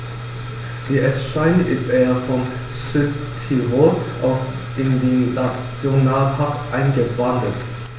Wie es scheint, ist er von Südtirol aus in den Nationalpark eingewandert.